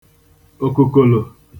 òkùkòlò